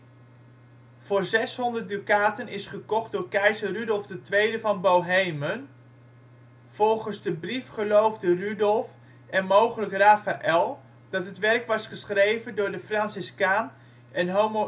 voor 600 dukaten is gekocht door keizer Rudolf II van Bohemen (1552 – 1612). Volgens de brief geloofde Rudolf (of mogelijk Raphael) dat het werk was geschreven door de franciscaan en homo